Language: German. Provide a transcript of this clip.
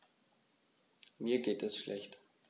Mir geht es schlecht.